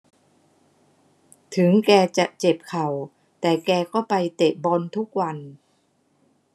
ถึงแกจะเจ็บเข่าแต่แกก็ไปเตะบอลทุกวัน